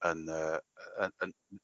yn y y- yn n-...